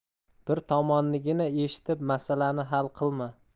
bir tomonnigina eshitib masalani hal qilma